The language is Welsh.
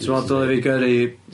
Ti'n me'wl dyle fi gyrru...